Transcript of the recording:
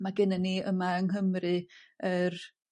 ma' gennyn ni yma yng Nghymru yr